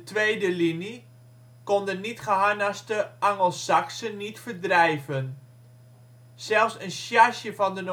tweede linie, kon de niet-geharnaste Angelsaksen niet verdrijven. Zelfs een charge van de Normandische